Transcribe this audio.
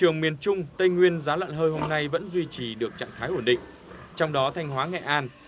trường miền trung tây nguyên giá lợn hơi hôm nay vẫn duy trì được trạng thái ổn định trong đó thanh hóa nghệ an